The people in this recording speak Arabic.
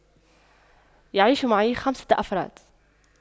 يعيش معي خمسة أفراد